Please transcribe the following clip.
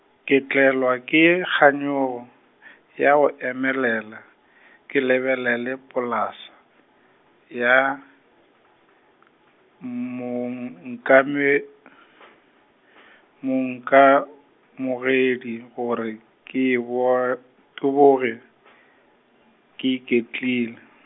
ke tlelwa ke kganyogo , ya go emelela, ke lebelele polasa, ya, monkame- , monkamogedi gore ke bo ke boge , ke iketlile.